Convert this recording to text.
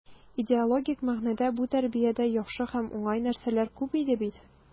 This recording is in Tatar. Идеологик мәгънәдә бу тәрбиядә яхшы һәм уңай нәрсәләр күп иде бит.